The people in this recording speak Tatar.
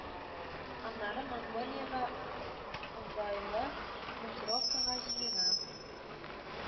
Аннары Монголияга озайлы командировкага җыена